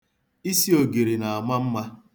Isi ogiri na-ama mma.